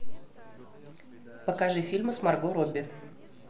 покажи фильмы с марго робби